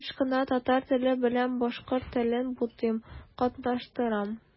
Еш кына татар теле белән башкорт телен бутыйм, катнаштырам.